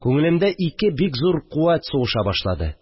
Күңелемдә ике бик зур куәт сугыша башлады